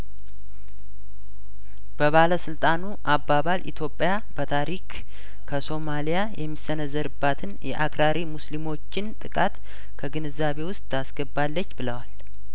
በባለስልጣኑ አባባል ኢቶጵያ በታሪክ ከሶማሊያ የሚሰነዘርባትን የአክራሪ ሙስሊሞችን ጥቃት ከግንዛቤ ውስጥ ታስገባለች ብለዋል